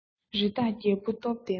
རི དྭགས རྒྱལ པོ སྟོབས ལྡན པ